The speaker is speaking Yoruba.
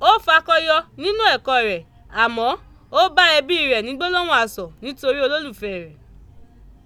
Ó fakọyọ nínú ẹ̀kọ́ọ rẹ̀ àmọ́ ó bá ẹbíi rẹ̀ ní gbólóhùn asọ̀ nítorí olólùfẹ́ẹ rẹ̀.